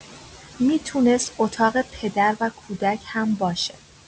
می‌تونست اتاق پدر و کودک هم باشه.